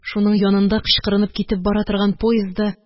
Шуның янында кычкырынып китеп бара торган поездда